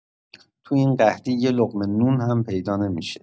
تو این قحطی یه لقمه نون هم پیدا نمی‌شه.